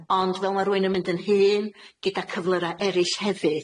Ond fel ma' r'wun yn mynd yn hŷn, gyda cyflyra' erill hefyd,